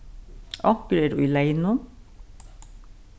onkur er í leynum